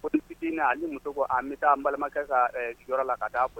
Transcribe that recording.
Faute fitini a ni muso ko aa n be taa n balimakɛ kaa ɛ sigiyɔrɔ la ka taa f